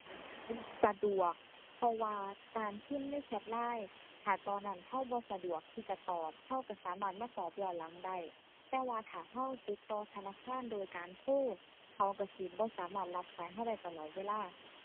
สะดวก เพราะว่าการพิมพ์ในแชต LINE ถ้าตอนนั้นเราบ่สะดวกที่จะตอบเราเราสามารถมาตอบย้อนหลังได้ แต่ว่าถ้าเราติดต่อธนาคารโดยการโทร เขาเราสิบ่สามารถรับสายเราได้ตลอดเวลา